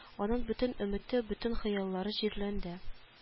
Аның бөтен өмете бөтен хыяллары җирләнде